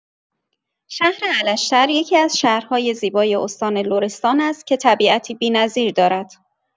شهر الشتر یکی‌از شهرهای زیبای استان لرستان است که طبیعتی بی‌نظیر دارد.